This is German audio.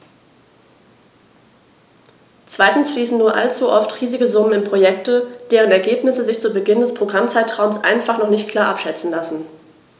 Zweitens fließen nur allzu oft riesige Summen in Projekte, deren Ergebnisse sich zu Beginn des Programmzeitraums einfach noch nicht klar abschätzen lassen.